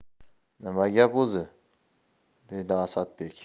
nima gap o'zi dedi asadbek